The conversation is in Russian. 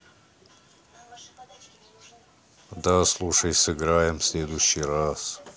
да слушай сыграем в следующий раз